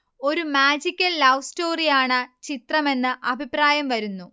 ഒരു magical love സ്റ്റോറിയാണ് ചിത്രമെന്ന് അഭിപ്രായം വരുന്നു